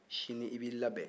sini i b'i labɛn